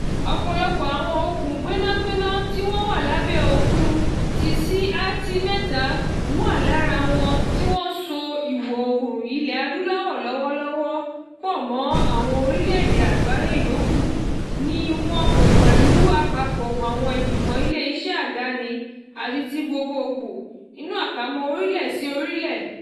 Ọ̀pọ̀lọpọ̀ àwọn okùn gbénágbéná tí wọ́n wà lábẹ́ òkun, tí SAT-3 wà lára wọn tí wọ́n so Ìwọ̀ Oòrùn Ilẹ̀ Adúláwò lọ́wọ́lọ́wọ́ pọ̀ mọ́ àwọn orílẹ́ èdè àgbáyé yòókù, ni wọ́n kọ́ pẹ̀lú àpapọ̀ àwọn ìgbìmọ̀ ilé iṣẹ́ àdáni àti ti gbogbogbò (orílẹ̀-sí-orílẹ̀).